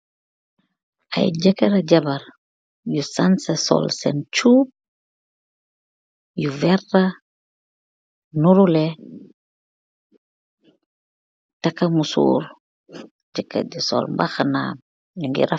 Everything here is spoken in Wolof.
Aiy jekarr ak jabarr yu sanseh sol sen chuub yu vertah, nduru lehh, takah musorrr, Jekarr gui sol mbahanah, nju ngi raff...